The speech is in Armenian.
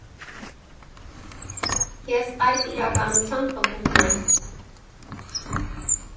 Ես այս իրականության պտուղն եմ։